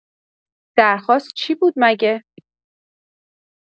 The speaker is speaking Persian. درخواست چی بود مگه؟